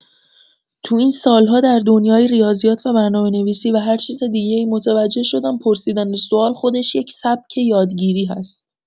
تو این سال‌ها در دنیای ریاضیات و برنامه‌نویسی و هرچیز دیگه‌ای متوجه شدم پرسیدن سوال خودش یک سبک یادگیری هست.